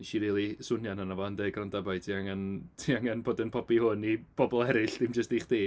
Wnes i rili swnian arna fo yn deud, "gwranda boi, ti angen ti angen bod yn pobi hwn i bobl eraill, dim jyst i chdi".